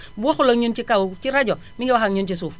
bu waxul ak ñun ci kaw ci rajo mi ngi wax ak ñun ci suuf